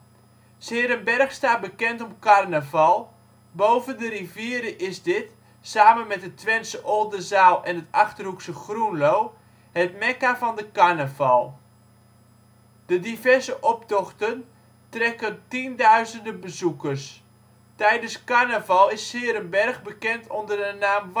s-Heerenberg staat bekend om carnaval, boven de rivieren is dit (samen met het Twentse Oldenzaal en het Achterhoekse Groenlo) " het Mekka van de carnaval ". De diverse optochten trekken tienduizenden bezoekers. Tijdens carnaval is ' s-Heerenberg bekend onder de naam Waskupenstad